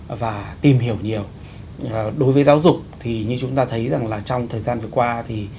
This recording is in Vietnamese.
và tìm hiểu nhiều đối với giáo dục thì như chúng ta thấy rằng là trong thời gian vừa qua thì